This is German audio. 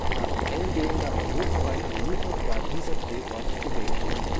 Nach eingehender europaweiter Suche war dieser Drehort gewählt worden